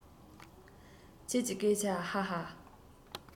ཁྱོད ཀྱི སྐད ཆ ཧ ཧ